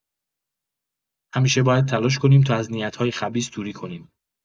همیشه باید تلاش کنیم تا از نیت‌های خبیث دوری کنیم.